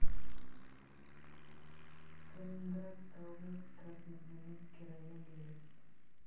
калининградская область краснознаменский район лес